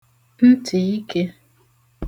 ntị̀ ikē